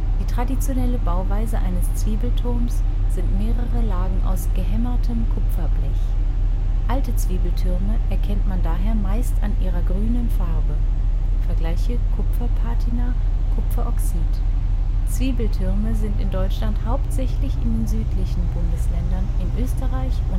Die traditionelle Bauweise eines Zwiebelturms sind mehrere Lagen aus gehämmertem Kupferblech; alte Zwiebeltürme erkennt man daher meist an ihrer grünen Farbe (vgl. Kupferpatina, Kupferoxid). Zwiebeltürme sind in Deutschland hauptsächlich in den südlichen Bundesländern, in Österreich